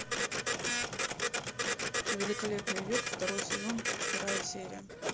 великолепный век второй сезон вторая серия